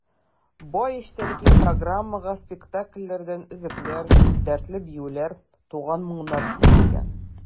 Бай эчтәлекле программага спектакльләрдән өзекләр, дәртле биюләр, туган моңнар кертелгән.